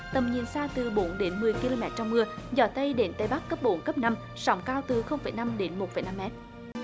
tầm nhìn xa từ bốn đến mười ki lô mét trong mưa gió tây đến tây bắc cấp bốn cấp năm sóng cao từ không phẩy năm đến một phẩy năm mét